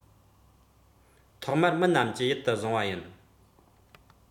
ཐོག མར མི རྣམས ཀྱིས ཡིད དུ བཟུང པ ཡིན